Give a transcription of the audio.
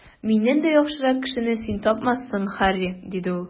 Миннән дә яхшырак кешене син тапмассың, Һарри, - диде ул.